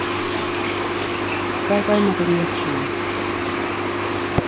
hvar goyma tit mjólkina